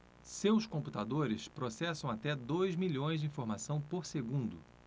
seus computadores processam até dois milhões de informações por segundo